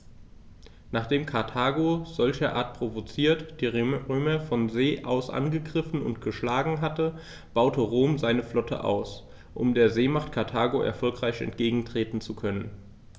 Nachdem Karthago, solcherart provoziert, die Römer von See aus angegriffen und geschlagen hatte, baute Rom seine Flotte aus, um der Seemacht Karthago erfolgreich entgegentreten zu können.